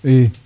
i